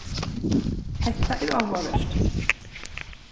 hatta er áhugavert